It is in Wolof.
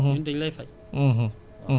waaw bu fekkee am na yàqu-yàqu